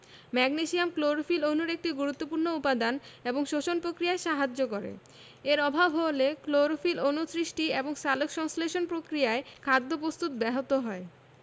magnesium chlorophyll অণুর একটি গুরুত্বপুর্ণ উপাদান এবং শ্বসন প্রক্রিয়ায় সাহায্য করে এর অভাব হলে ক্লোরোফিল অণু সৃষ্টি এবং সালোকসংশ্লেষণ প্রক্রিয়ায় খাদ্য প্রস্তুত ব্যাহত হবে